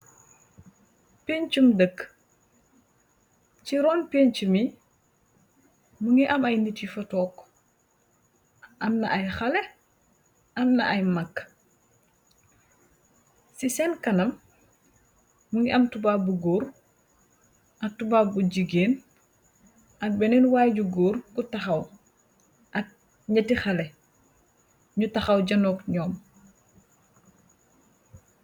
Péncum dëkk, ci ron penc mi mu ngi am ay nit yu fa took, am na ay xale am na ay magg, ci seen kanam mu ngi am tubaa bu góor ak tuba bu jigéen ak beneen waay ju góor ku taxaw ak ñetti xale ñu taxaw janook ñoom